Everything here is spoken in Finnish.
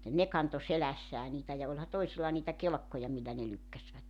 ne kantoi selässään niitä ja olihan toisilla niitä kelkkoja millä ne lykkäsivät